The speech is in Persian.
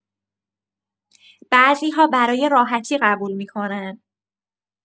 بعضی‌ها برای راحتی قبول می‌کنن.